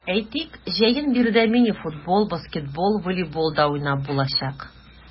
Әйтик, җәен биредә мини-футбол, баскетбол, волейбол да уйнап булачак.